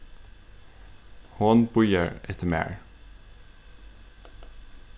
hon bíðar eftir mær